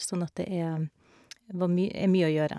Sånn at det er var my er mye å gjøre.